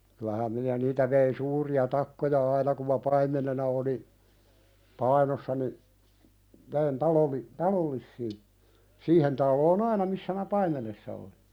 kyllähän minä niitä vein suuria takkoja aina kun minä paimenena olin Painossa niin vein - talollisille siihen taloon aina missä minä paimenessa olin